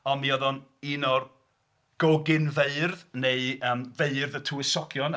Ond mi oedd o'n un o'r gogynfeirdd neu feirdd y tywysogion.